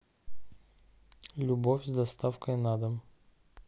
любовь с доставкой на дом